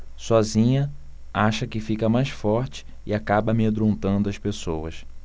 sozinha acha que fica mais forte e acaba amedrontando as pessoas